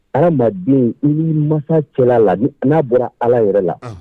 Adamaden i ni mansa cɛla la , n'a bɔra allah yɛrɛ la,